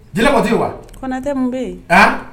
Jɛɛɛba tɛ yen wa? Konatɛ mun bɛ yen?